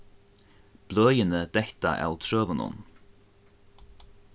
bløðini detta av trøunum